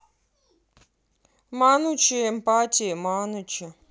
манучи эмпатия манучи